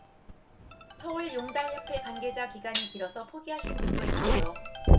서울용달협회 관계자 기간이 길어서 포기하신 분도 있고요